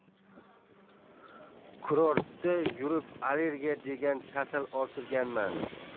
kurortda yurib allergiya degan kasal orttirganman